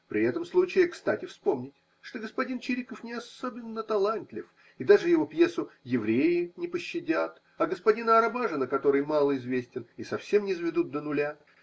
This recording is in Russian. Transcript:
при этом случае кстати вспомнить, что господин Чириков не особенно талантлив, и даже его пьесу Евреи не пощадят, а господина Арабажина, который мало известен, и совсем низведут до нуля